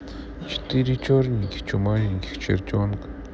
четыре черненьких чумазеньких чертенка